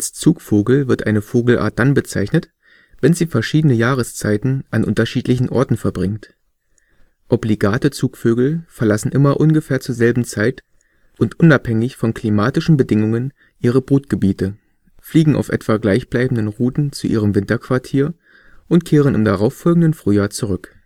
Zugvogel wird eine Vogelart dann bezeichnet, wenn sie verschiedene Jahreszeiten an unterschiedlichen Orten verbringt. Obligate Zugvögel verlassen immer ungefähr zur selben Zeit und unabhängig von klimatischen Bedingungen ihre Brutgebiete, fliegen auf etwa gleichbleibenden Routen zu ihrem Winterquartier und kehren im darauffolgenden Frühjahr zurück